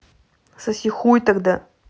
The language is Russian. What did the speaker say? соси хуй тогда